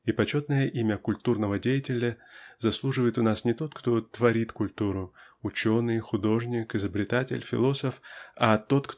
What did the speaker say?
а почетное имя культурного деятеля заслуживает у нас не тот кто творит культуру-- ученый художник изобретатель философ --а тот